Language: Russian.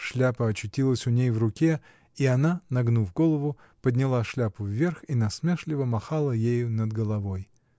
Шляпа очутилась у ней в руке — и она, нагнув голову, подняла шляпу вверх и насмешливо махала ею над головой.